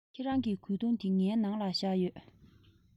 ཁྱེད རང གི གོས ཐུང ངའི ནང ལ བཞག ཡོད